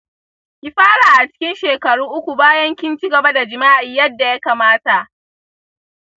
ki fara a cikin shekara uku bayan kin ci gaba da jima'i yanda ya kamata.